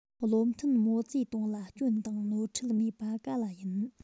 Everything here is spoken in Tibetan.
བློ མཐུན མའོ ཙེ ཏུང ལ སྐྱོན དང ནོར འཁྲུལ མེད པ ག ལ ཡིན